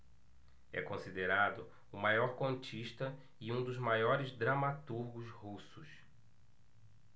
é considerado o maior contista e um dos maiores dramaturgos russos